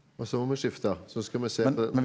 og så må vi skifte så skal vi se etter.